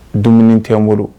Dumuni tɛ n bolo